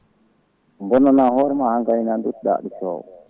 bonnanan hoorema ha paara ha gayna duttoɗa aɗa soowa